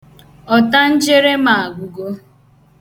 Ọtangere mụ agwụgọ.